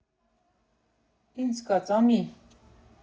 Ինձ սկաց, ամի։